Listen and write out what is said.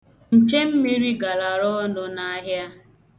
Nchemmiri galara ọnu n'ahịa.